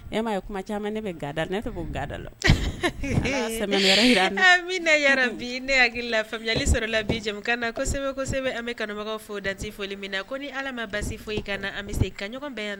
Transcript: E ye kuma caman ne bɛ gada ne bɛ gada la ne bi ne hakililayali sɔrɔ la bi jamukan nasɛbɛ an bɛ kanubagaw fo dan foli min na ko ni ala ma basi foyi kana na an bɛ se ka ɲɔgɔn bɛɛ yan